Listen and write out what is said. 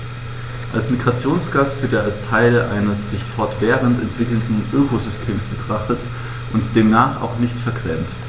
Als Migrationsgast wird er als Teil eines sich fortwährend entwickelnden Ökosystems betrachtet und demnach auch nicht vergrämt.